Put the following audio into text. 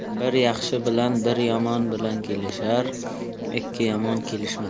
bir yaxshi bilan bir yomon kelishar ikki yomon kelishmas